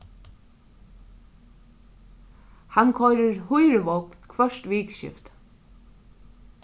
hann koyrir hýruvogn hvørt vikuskifti